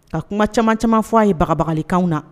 Ka kuma caaman caaman fɔ a ye bagabagalikan na.